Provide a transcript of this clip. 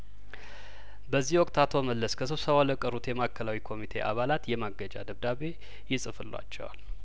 በዚህ ወቅት አቶ መለስ ከስብስባው ለቀሩት የማእከላዊ ኮሚቴ አባላት የማገጃ ደብዳቤ ይጽፍላቸዋል